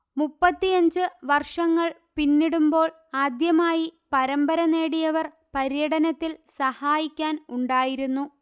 മുപ്പത്തിയഞ്ച് വർഷങ്ങൾ പിന്നിടുമ്പോൾ ആദ്യമായി പരമ്പര നേടിയവർ പര്യടനത്തിൽ സഹായിക്കാൻ ഉണ്ടായിരുന്നു